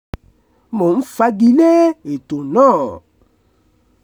Mò ń fagi lé ètò náà.